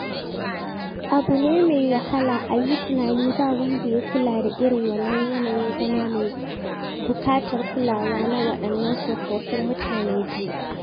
Abu ne mai wahala a yi tunanin ba wanda ya kula da irin wannan yanayin zama mai buƙatar kulawa na waɗannan tsofaffin mutane biyu.